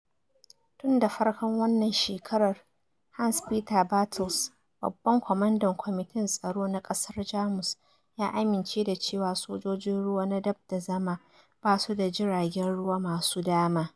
Tun da farkon wannan shekarar, Hans-Peter Bartels, babban kwamandan kwamitin tsaro na ƙasar Jamus, ya amince da cewa sojojin ruwa "na dab da zama basu da jiragen ruwa masu dama."